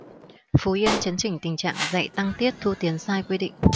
phú yên chấn chỉnh tình trạng dạy tăng tiết thu tiền sai quy định